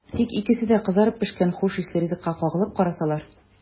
Тик икесе дә кызарып пешкән хуш исле ризыкка кагылып карасалар!